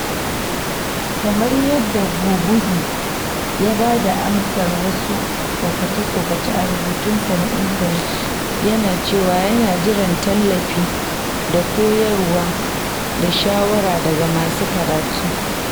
Kamar Guebuza ya ba da amsar wasu tsokace-tsokace a rubutunsa na intanet, yana cewa yana jiran 'tallafi da koyarwa da shawara daga masu karatu'.